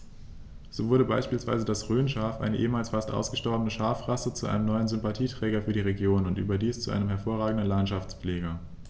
So wurde beispielsweise das Rhönschaf, eine ehemals fast ausgestorbene Schafrasse, zu einem neuen Sympathieträger für die Region – und überdies zu einem hervorragenden Landschaftspfleger.